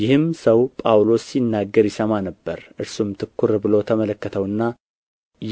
ይህም ሰው ጳውሎስ ሲናገር ይሰማ ነበር እርሱም ትኵር ብሎ ተመለከተውና